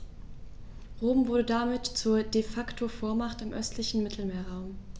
Rom wurde damit zur ‚De-Facto-Vormacht‘ im östlichen Mittelmeerraum.